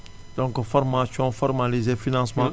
donc formation formalisé financement